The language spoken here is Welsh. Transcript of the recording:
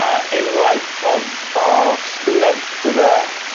Ie unwaith odd o s- Lent yfe?